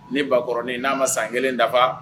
Ni bakɔrɔnin n'a ma san kelen dafa